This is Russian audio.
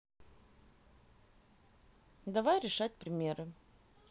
давай решать примеры